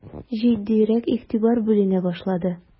Җитдирәк игътибар бүленә башлады.